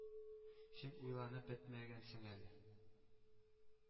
Син уйланып бетмәгәнсең әле.